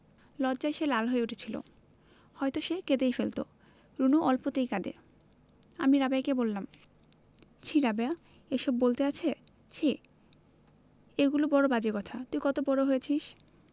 লজ্জায় সে লাল হয়ে উঠেছিলো হয়তো সে কেঁদেই ফেলতো রুনু অল্পতেই কাঁদে আমি রাবেয়াকে বললাম ছিঃ রাবেয়া এসব বলতে আছে ছিঃ এগুলি বড় বাজে কথা তুই কত বড় হয়েছিস